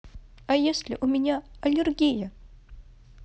а если у меня аллергия